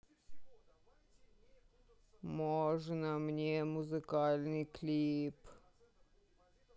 можно мне музыкальный клип